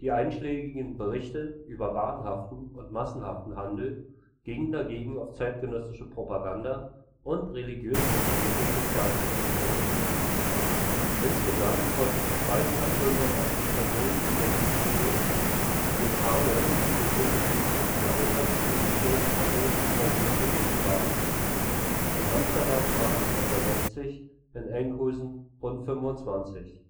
einschlägigen Berichte über wahnhaften und massenhaften Handel gingen dagegen auf zeitgenössische Propaganda und religiös motivierte Sozialkritik zurück. Insgesamt konnte sie 285 Personen identifizieren, die in Haarlem zu Beginn des 17. Jahrhunderts in den Tulpenhandel involviert gewesen waren. In Amsterdam waren es etwa 60, in Enkhuizen rund 25.